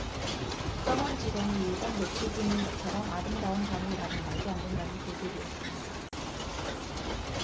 국정원 직원이 일반 네티즌인 것처럼 아름다운 단일화는 말도 안 된다는 글들이었습니다